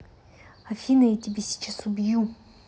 афина я тебя сейчас убью